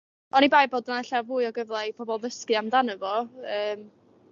oni bai bod 'na ella fwy o gyfla i pobol ddysgu amdano fo yym